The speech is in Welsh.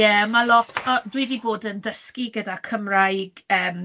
Ie ma' lot o, dwi 'di bod yn dysgu gyda Cymraeg